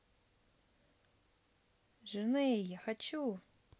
journey я хочу